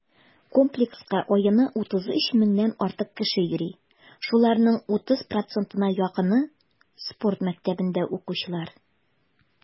Комплекска аена 33 меңнән артык кеше йөри, шуларның 30 %-на якыны - спорт мәктәпләрендә укучылар.